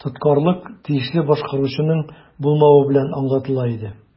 Тоткарлык тиешле башкаручының булмавы белән аңлатыла иде.